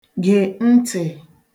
gè ntị̀